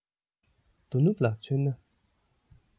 དོ ནུབ ལ མཚོན ན